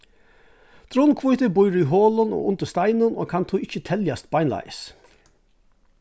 drunnhvíti býr í holum og undir steinum og kann tí ikki teljast beinleiðis